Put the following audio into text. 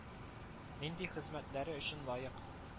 Нинди хезмәтләре өчен лаек